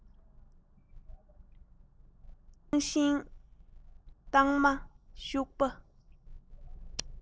ཐང ཤིང སྟག མ ཤུག པ